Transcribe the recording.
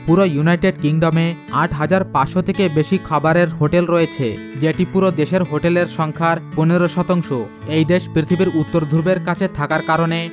পুরো United Kingdom এ ৮৫০০ থেকে বেশি খাবারের হোটেল রয়েছে থেকে বেশি খাবারের হোটেল রয়েছে যেটি যেটি পুরো দেশের হোটেলের সংখ্যার ১৫% এই দেশ পৃথিবীর উত্তর ভাগ এর কাছে থাকার কারণে